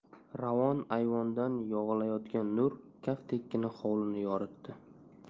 ravon ayvondan yog'ilayotgan nur kaftdekkina hovlini yoritdi